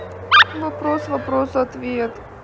вопрос вопрос ответ